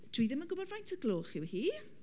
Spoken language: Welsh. Dwi ddim yn gwybod faint o gloch i chi.